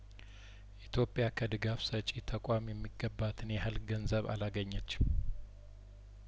ኢትዮጵያ ከድጋፍ ሰጪ ተቋም የሚገባትን ያህል ገንዘብ አላገኘችም